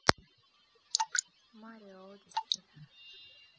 марио одиси